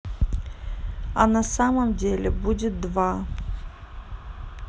а на самом деле будет два